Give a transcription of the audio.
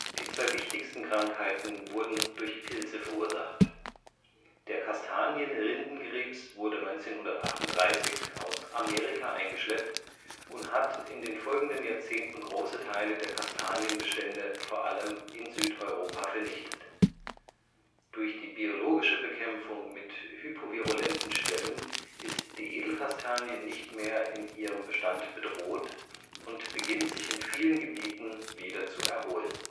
Die zwei wichtigsten Krankheiten wurden durch Pilze verursacht. Der Kastanienrindenkrebs (Cryphonectria parasitica) wurde 1938 aus Amerika eingeschleppt und hat in den folgenden Jahrzehnten große Teile der Kastanienbestände vor allem in Südeuropa vernichtet. Durch die biologische Bekämpfung mit hypovirulenten Stämmen ist die Edelkastanie nicht mehr in ihrem Bestand bedroht und beginnt sich in vielen Gebieten wieder zu erholen